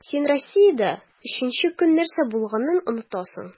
Син Россиядә өченче көн нәрсә булганын онытасың.